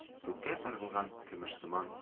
Күккә ыргылган көмешсыман